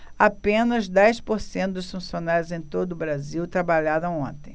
apenas dez por cento dos funcionários em todo brasil trabalharam ontem